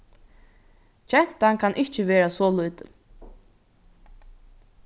gentan kann ikki vera so lítil